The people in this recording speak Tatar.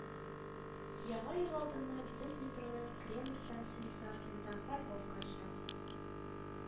“яңа ел алдыннан без метроның кремль станциясе янында парковка ачтык